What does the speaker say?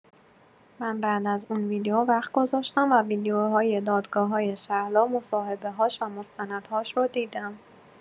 من‌بعد از اون ویدیو وقت گذاشتم و ویدیوهای دادگاه‌های شهلا، مصاحبه‌هاش و مستندهاش رو دیدم.